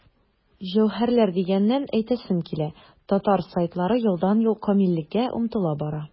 Җәүһәрләр дигәннән, әйтәсем килә, татар сайтлары елдан-ел камиллеккә омтыла бара.